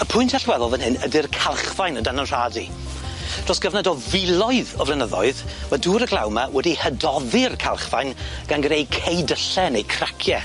Y pwynt allweddol fan hyn ydi'r calchfaen o dan 'yn nrhad i. Dros gyfnod o filoedd o flynyddoedd, ma' dŵr y glaw 'ma wedi hydoddi'r calchfaen gan greu ceudylle neu cracie.